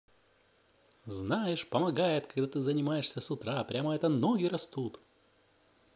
знаешь помогает когда ты занимаешься с утра прямо это ноги растут